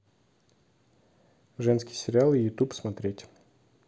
женские сериалы ютуб смотреть